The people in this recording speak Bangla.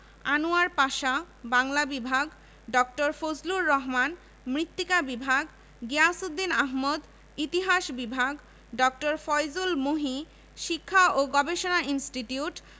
মুসলিম সংখ্যাগুরু পূর্ববাংলা ও আসাম প্রদেশের জনগণের মনে এক নতুন আশা ও উদ্দীপনার সঞ্চার হয় কিন্তু মাত্র ছয় বছরের ব্যবধানে